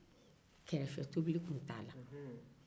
kɛrɛfɛ tobili tun t'a la